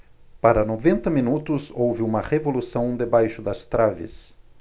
para noventa minutos houve uma revolução debaixo das traves